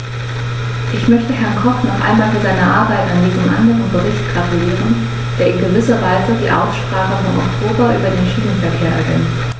Ich möchte Herrn Koch noch einmal für seine Arbeit an diesem anderen Bericht gratulieren, der in gewisser Weise die Aussprache vom Oktober über den Schienenverkehr ergänzt.